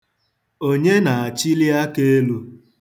Onye na-achịli aka elu?